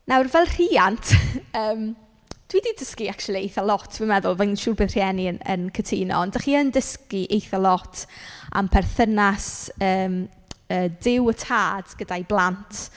Nawr fel rhiant yym dwi 'di dysgu acshyli eitha lot dwi'n meddwl. Fi'n siŵr bydd rhieni yn yn cytuno, ond dach chi yn dysgu eitha lot am perthynas yym yy Duw y Tad gyda'i blant.